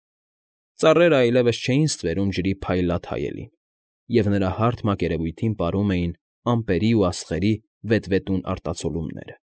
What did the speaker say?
Ծառերն այլևս չէին ստվերում ջրի փայլատ հայելին, և նրա հարթ մակերեևույթին պարում էին ամպերի ու աստղերի վետվետուն արտացոլումները։